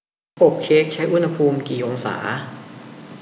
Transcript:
อบเค้กใช้อุณหภูมิกี่องศา